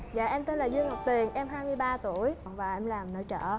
dạ em tên là dư ngọc tiền em hai mươi ba tuổi và em làm nội trợ